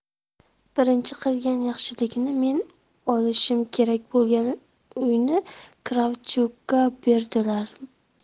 birinchi qilgan yaxshiligi men olishim kerak bo'lgan uyni kravchukka berdiribdi